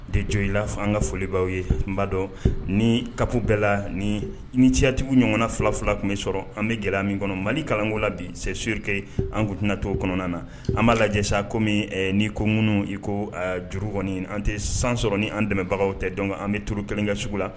De jo i la fɔ an ka folibaw ye n badɔ ni kaba bɛɛ la ni ni ceyatigiw ɲɔgɔnna fila fila tun bɛ sɔrɔ an bɛ gɛlɛya min kɔnɔ mali kalanko la bi se suurke an g tɛnainatɔ kɔnɔna na an b'a lajɛsa kɔmi ni ko ŋunu iko jurukɔni an tɛ san sɔrɔ ni an dɛmɛbagaw tɛ dɔn an bɛ touru kelen kɛ sugu la